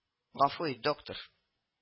— гафү ит, доктор